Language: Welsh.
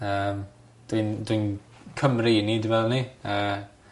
Yym dwi'n dwi'n Cymry 'yn ni dwi feddwl 'ny. Yy.